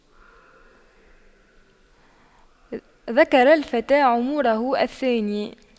ذكر الفتى عمره الثاني